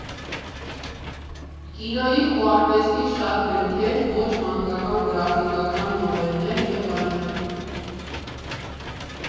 Կինոյի ու արվեստի շատ գրքեր, ոչ մանկական գրաֆիկական նովելներ և այլն։